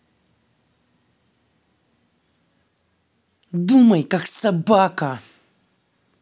думай как собака